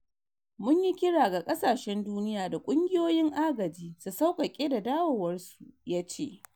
“Mun yi kira ga kasashen duniya da kungiyoyin agaji su sauƙaƙe da dawowar su,” ya ce.